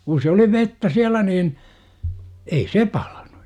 kun se oli vettä siellä niin ei se palanut